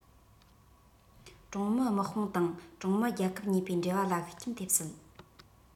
ཀྲུང མི དམག དཔུང དང ཀྲུང མི རྒྱལ ཁབ གཉིས པོའི འབྲེལ བ ལ ཤུགས རྐྱེན ཐེབས སྲིད